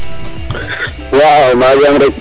waw mba jam rek